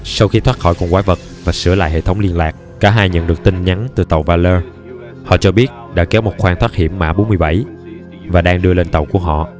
sau khi thoát khỏi con quái vật và sửa lại hệ thống liên lạc cả hai nhận được tin nhắn từ tàu valor họ cho biết đã kéo một khoang thoát hiểm mã và đang đưa lên tàu của họ